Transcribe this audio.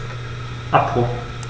Abbruch.